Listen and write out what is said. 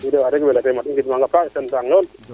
i wax de fa yala koy i ngid manga paax waax deg